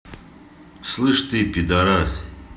слышь ты пидарас